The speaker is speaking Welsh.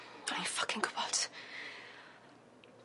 Ro'n i'n ffycin gwbod.